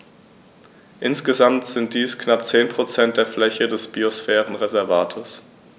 Insgesamt sind dies knapp 10 % der Fläche des Biosphärenreservates.